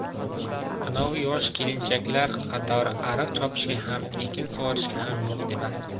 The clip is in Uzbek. anovi yosh kelinchaklar qatori ariq chopishga ham ekin sug'orishga ham yo'q demasdi